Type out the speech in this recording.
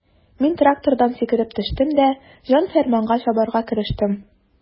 Мин трактордан сикереп төштем дә җан-фәрманга чабарга керештем.